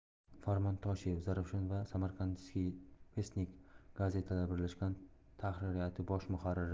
farmon toshev zarafshon va samarkandskiy vestnik gazetalari birlashgan tahririyati bosh muharriri